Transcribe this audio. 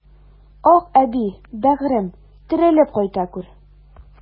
Акъәби, бәгырем, терелеп кайта күр!